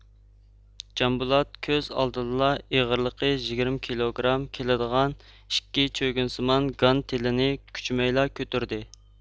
جامبۇلات كۆز ئالدىدىلا ئېغىرلىقى يىگىرمە كىلوگرام كېلىدىغان ئىككى چۆگۈنسىمان گانتېلنى كۈچىمەيلا كۆتۈردى